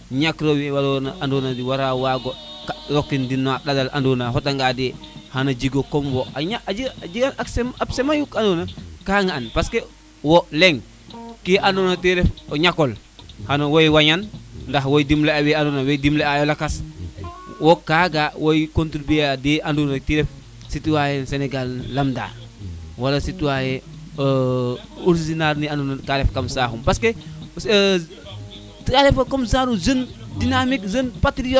ñakiro we ando na wara wago kat rokin ɗatale andona o xota nga de xana jego comme wo a jega accés mayu ke ando na ka ŋa an parce que wo leŋ ke ando na te ref o ñakole xano wey wañan ndax we dimle a we ando na waxey dimle a lakas wo kaga woy contribuer a de ando na te ref citoyen Sénégal ne lamda wara citoyen original ne ando na ka ref kam saxum parce que ka refo comme genre o jeune dynamique jeune patriote